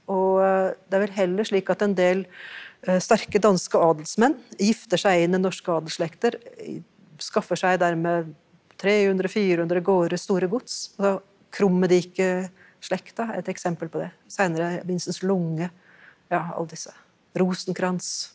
og det er vel heller slik at en del sterke danske adelsmenn gifter seg inn i norske adelsslekter, skaffer seg dermed trehundre firehundre gårder store gods, altså Krummedike-slekta er et eksempel på det, seinere Vincens Lunge ja, alle disse, Rosenkrantz.